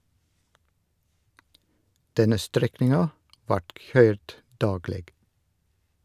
Denne strekninga vart køyrd dagleg.